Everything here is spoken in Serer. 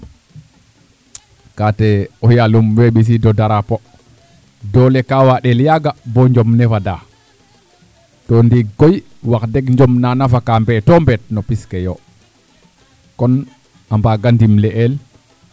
kaate o yaalum we mbisiid o drapeau doole ka waaɗel yaaga boo njom ne fadaa to ndiig koy wax deg njom na na faka mbeeto mbeet no pis ke yo kon a mbaaga ndimle'eel